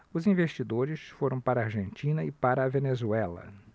os investidores foram para a argentina e para a venezuela